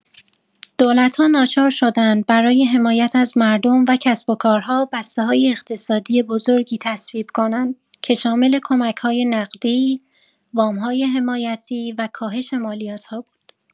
دولت‌ها ناچار شدند برای حمایت از مردم و کسب‌وکارها بسته‌های اقتصادی بزرگی تصویب کنند که شامل کمک‌‌های نقدی، وام‌های حمایتی و کاهش مالیات‌ها بود.